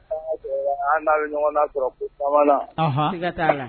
An n'a ɲɔgɔn na sɔrɔ ko tuma taa